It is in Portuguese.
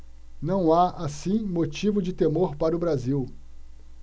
não há assim motivo de temor para o brasil